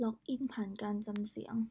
ล็อกอินผ่านการจำเสียง